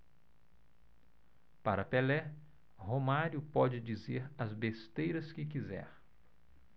para pelé romário pode dizer as besteiras que quiser